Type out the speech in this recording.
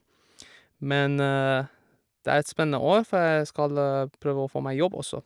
Men det er et spennende år, for jeg skal p prøve å få meg jobb også.